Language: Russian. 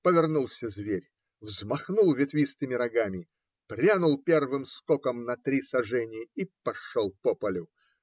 повернулся зверь, взмахнул ветвистыми рогами, прянул первым скоком на три сажени и пошел по полю